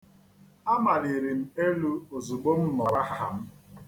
A maliri m elu ozigbo m nụrụ aha m.